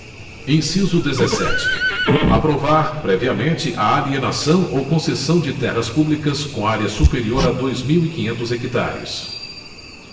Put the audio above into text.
inciso dezessete aprovar previamente a alienação ou concessão de terras públicas com área superior a dois mil e quinhentos hectares